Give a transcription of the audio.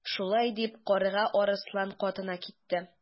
Шулай дип Карга Арыслан катына китте.